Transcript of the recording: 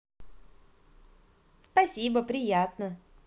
спасибо приятно